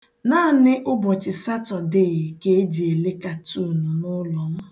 Naanị ụbọchị Satọdee ka e ji ele katuunu n'ụlọ m.